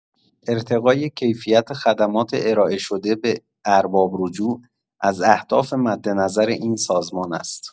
ارتقای کیفیت خدمات ارائه‌شده به ارباب‌رجوع، از اهداف مدنظر این سازمان است.